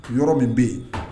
Yɔrɔ min bɛ yen